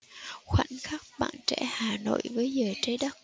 khoảnh khắc bạn trẻ hà nội với giờ trái đất